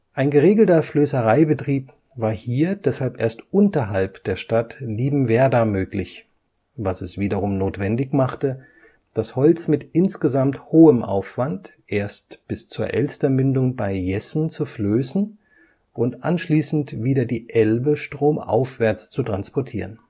Ein geregelter Flößereibetrieb war hier deshalb erst unterhalb der Stadt Liebenwerda möglich, was es wiederum notwendig machte, das Holz mit insgesamt hohem Aufwand erst bis zur Elstermündung bei Jessen zu flößen und anschließend wieder die Elbe stromaufwärts zu transportieren